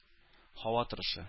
Һава торышы